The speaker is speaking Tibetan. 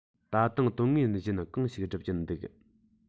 ད དུང དོན ངན གཞན གང ཞིག སྒྲུབ ཀྱིན འདུག